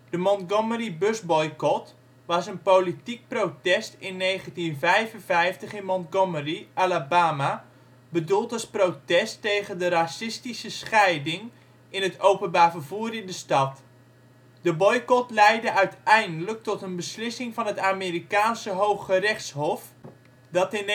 De Montgomery-busboycot was een politiek protest in 1955 in Montgomery, Alabama bedoeld als protest tegen de racistische scheiding in het openbaar vervoer in de stad. De boycot leidde uiteindelijk tot een beslissing van het Amerikaanse Hooggerechtshof, dat in 1956